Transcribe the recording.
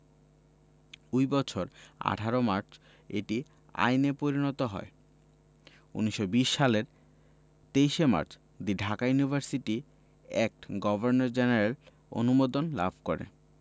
ওই বছর ১৮ মার্চ এটি আইনে পরিণত হয় ১৯২০ সালের ২৩ March the Dhaka university act governor general অনুমোদন লাভ করে